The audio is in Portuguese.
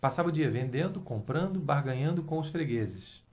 passava o dia vendendo comprando barganhando com os fregueses